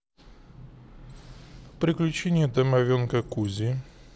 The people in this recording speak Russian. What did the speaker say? приключения домовенка кузи